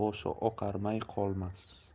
boshi oqarmay qolmas